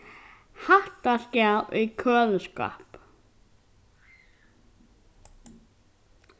hatta skal í køliskápið